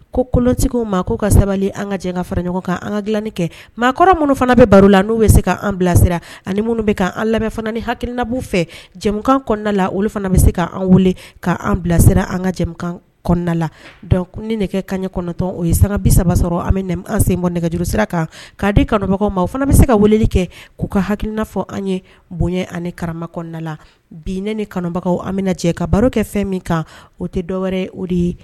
Ko kolontigiw ma k'u ka sabali an ka jan ka fara ɲɔgɔn kan an ka dilanni kɛ maakɔrɔ minnu fana bɛ baro la n'u bɛ se k'an bilasira ani minnu bɛ'an lamɛn fana ni hakiinabu fɛ jɛ kɔnɔna la olu fana bɛ se k'an weele k'an bilasira an kakan kɔnɔna la dɔnc ni nɛgɛ kanɲɛ kɔnɔntɔn o ye san bi saba sɔrɔ ami an senbon nɛgɛjuru sira kan ka di kanubagaw ma o fana bɛ se ka weleli kɛ k'u ka hakiina fɔ an ye bonya ani kara kɔnɔna la biinɛ ni kanubagaw an bɛ cɛ ka baro kɛ fɛn min kan o tɛ dɔwɛrɛ o de ye